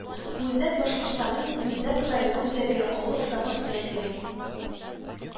Бүздәк Башкортстанның Бүздәк районы үзәге, авыл статусына ия